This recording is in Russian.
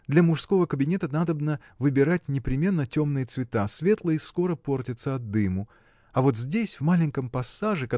для мужского кабинета надобно выбирать непременно темные цвета светлые скоро портятся от дыму. А вот здесь в маленьком пассаже